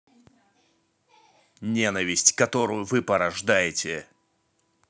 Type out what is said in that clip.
ненависть которую вы порождаете